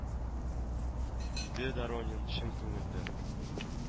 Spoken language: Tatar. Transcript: Диде доронин чын күңелдән